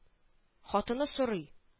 Хатыны сорый: